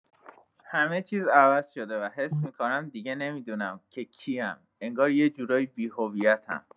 همه چیز عوض شده و حس می‌کنم دیگه نمی‌دونم که کی‌ام، انگار یه جورایی بی‌هویتم.